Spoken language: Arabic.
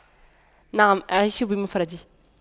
نعم أعيش بمفردي